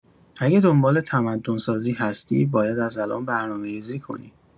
اگه دنبال تمدن‌سازی هستی، باید از الان برنامه‌ریزی کنی.